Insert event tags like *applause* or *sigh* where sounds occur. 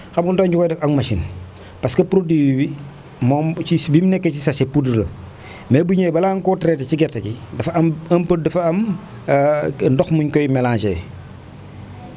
xam nga lu tax ñu koy def ak machine parce que produit bi moom ci bi mu nekkee si sachet poudre la mais bu ñëwee balaa nga koo traité si gerte gi dafa am un peu dafa am *hesitation* ndox mu ñu koy mélangé *noise*